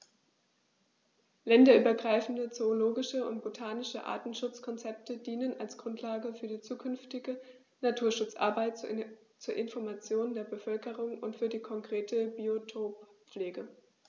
Länderübergreifende zoologische und botanische Artenschutzkonzepte dienen als Grundlage für die zukünftige Naturschutzarbeit, zur Information der Bevölkerung und für die konkrete Biotoppflege.